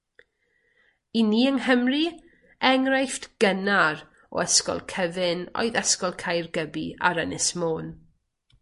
I ni yng Nghymru enghraifft gynnar o ysgol cyfun oedd ysgol Caergybi ar Ynys Môn.